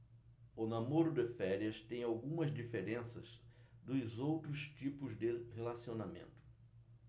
o namoro de férias tem algumas diferenças dos outros tipos de relacionamento